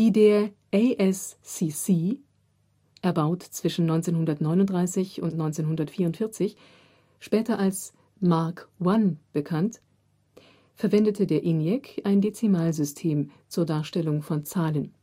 der ASCC (erbaut zwischen 1939 und 1944, später als „ Mark I “bekannt) verwendete der ENIAC ein Dezimalsystem zur Darstellung von Zahlen